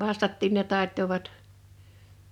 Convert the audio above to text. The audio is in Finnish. vastatkin ne taittoivat